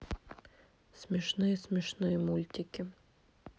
смешные смешные мультики